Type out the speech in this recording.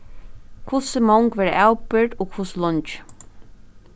hvussu mong verða avbyrgd og hvussu leingi